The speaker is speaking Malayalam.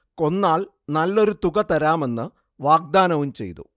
കൊന്നാൽ നല്ലൊരു തുക തരാമെന്ന് വാഗ്ദാനവും ചെയ്തു